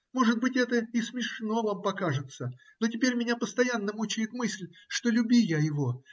Может быть, это и смешно вам покажется, но теперь меня постоянно мучает мысль, что люби я его